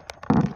ilé-ìwòsan.